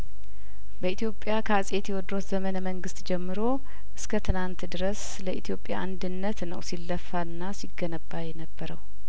በኢትዮጵያ ከአጼ ቴድሮስ ዘመነ መንግስት ጀምሮ እስከ ትናንት ድረስ ለኢትዮጵያ አንድነት ነው ሲለፋና ሲገነባ የነበረው